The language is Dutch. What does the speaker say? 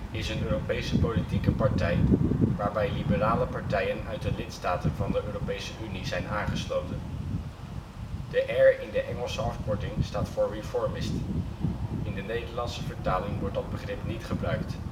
is een Europese politieke partij, waarbij liberale partijen uit de lidstaten van de Europese Unie zijn aangesloten. De R in de (Engelse) afkorting staat voor " Reformist ". In de Nederlandse vertaling wordt dat begrip niet gebruikt